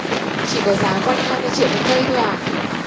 chỉ có giá quanh hai mươi triệu một cây thôi à